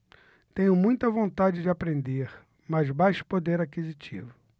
tenho muita vontade de aprender mas baixo poder aquisitivo